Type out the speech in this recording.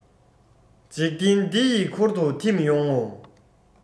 འཇིག རྟེན འདི ཡི འཁོར དུ ཐིམ ཡོང ངོ